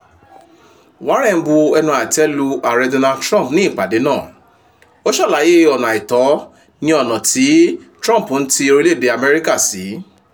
Warren bu ẹnu àtẹ́ẹnu lu ààrẹ Donald Trump ní ìpàdé náà, ó ṣàlàyé ọ̀nà àìtọ́ ni ọ̀nà tí Trump ń ti orílẹ̀èdè US sí.